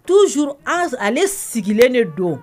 Tur anz ale sigilen de don